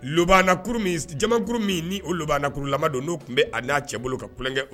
jamanakuru min ni o laankurula don n'o tun bɛ a n'a cɛ bolo ka tulonkɛ